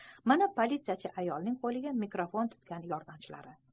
mana politsiyachi ayolning qo'liga mikrofon tutgan yordamchilari